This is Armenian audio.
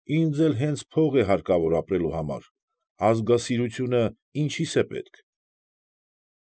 Ինձ էլ հենց փող է հարկավոր ապրելու համար, ազգասիրությունը ինչի՞ս է պետք։